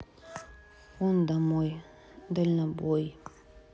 ой домой дальнобой